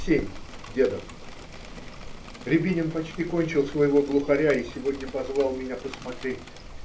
Семь ДЕДОВ. Рябинин почти кончил своего "Глухаря" и сегодня позвал меня посмотреть.